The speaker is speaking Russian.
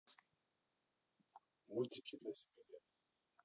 мультики для семи лет